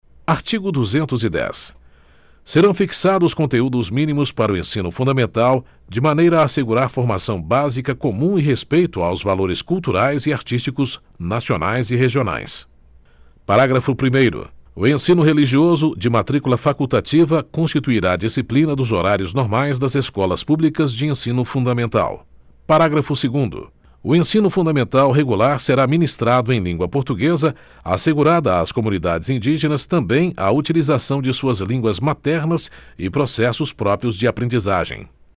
artigo duzentos e dez serão fixados conteúdos mínimos para o ensino fundamental de maneira a assegurar formação básica comum e respeito aos valores culturais e artísticos nacionais e regionais parágrafo primeiro o ensino religioso de matrícula facultativa constituirá disciplina dos horários normais das escolas públicas de ensino fundamental parágrafo segundo o ensino fundamental regular será ministrado em língua portuguesa assegurada às comunidades indígenas também a utilização de suas línguas maternas e processos próprios de aprendizagem